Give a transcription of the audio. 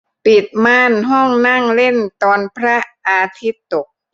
ปิดม่านห้องนั่งเล่นตอนพระอาทิตย์ตก